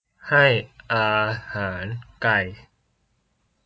ให้อาหารไก่